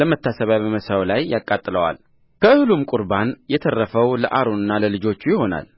ለመታሰቢያ በመሠዊያው ላይ ያቃጥለዋልከእህሉም ቍርባን የተረፈው ለአሮንና ለልጆቹ ይሆናል